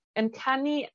yn canu,